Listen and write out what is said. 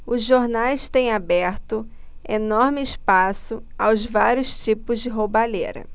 os jornais têm aberto enorme espaço aos vários tipos de roubalheira